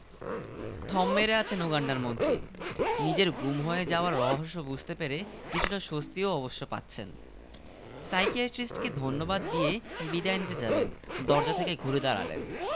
আপনারও কি ফার্স্ট ইয়ারের প্রেমটাইপের কেস না না তা নয় আপনি যেমন প্রেমে ব্যর্থ হয়ে গুম হয়েছেন আমি হয়েছি ব্যবসায় ব্যর্থ হয়ে আহা রে কিন্তু পাগলের ডাক্তারিতে আবার ব্যর্থ হলেন কীভাবে